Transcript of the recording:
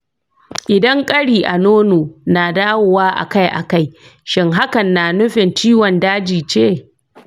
idan ƙari a nono na dawowa akai-akai, shin hakan na nufin ciwon daji ce?